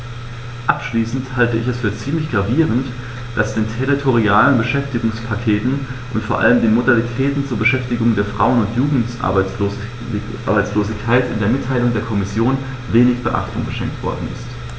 Abschließend halte ich es für ziemlich gravierend, dass den territorialen Beschäftigungspakten und vor allem den Modalitäten zur Bekämpfung der Frauen- und Jugendarbeitslosigkeit in der Mitteilung der Kommission wenig Beachtung geschenkt worden ist.